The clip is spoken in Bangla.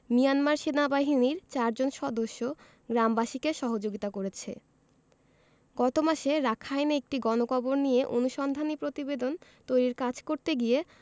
মিয়ানমার সেনাবাহিনীর চারজন সদস্য গ্রামবাসীকে সহযোগিতা করেছে গত মাসে রাখাইনে একটি গণকবর নিয়ে অনুসন্ধানী প্রতিবেদন তৈরির কাজ করতে গিয়ে